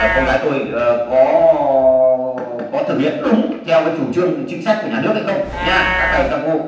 con gái tôi ờ có có thực hiện đúng theo cái chủ trương chính sách của nhà nước hay không nhá các thầy các cô